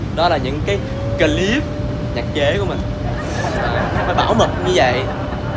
đó là những cái cờ líp nhạc chế của mình phải bảo mật như vậy